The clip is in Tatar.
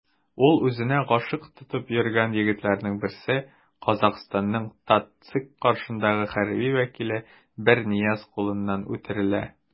Ул үзенә гашыйк тотып йөргән егетләрнең берсе - Казахстанның ТатЦИК каршындагы хәрби вәкиле Бернияз кулыннан үтерелә.